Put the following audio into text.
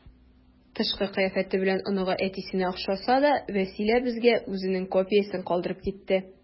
Тышкы кыяфәте белән оныгы әтисенә охшаса да, Вәсилә безгә үзенең копиясен калдырып китте.